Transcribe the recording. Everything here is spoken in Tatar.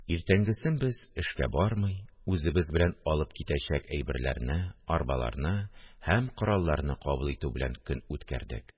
Иртәнгесен без, эшкә бармый, үзебез белән алып китәчәк әйберләрне, арбаларны һәм коралларны кабул итү белән көн үткәрдек